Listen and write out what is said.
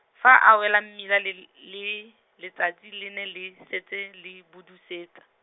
fa a wela mmila l- le-, letsatsi le ne le, setse le budusetsa.